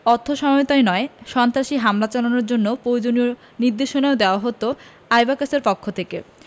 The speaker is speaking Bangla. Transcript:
অথ্যসহায়তাই নয় সন্ত্রাসী হামলা চালানোর জন্য পয়োজনীয় নির্দেশনাও দেওয়া হতো আইবকসের পক্ষ থেকে